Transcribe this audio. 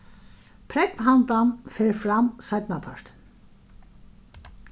prógvhandan fer fram seinnapartin